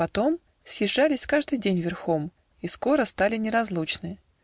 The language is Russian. потом Съезжались каждый день верхом И скоро стали неразлучны.